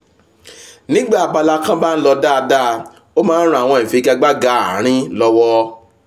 Nígbà abala kan bá ń lọ dáadáa, ó máa rán àwon ìfigagbaga ààrín lọ́wọ̀.